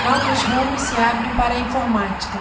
novos rumos se abrem para a informática